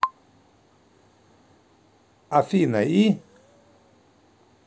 afina и